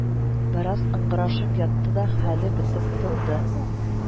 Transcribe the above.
Бераз ыңгырашып ятты да, хәле бетеп тынды